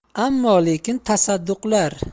ammo lekin tasadduqlar